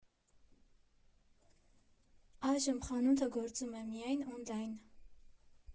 Այժմ խանութը գործում է միայն օնլայն։